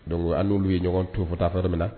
Donc an'olu ye ɲɔgɔn tofota fo yɔrɔ min na